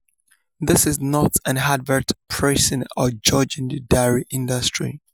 This is not an advert praising or judging the dairy industry."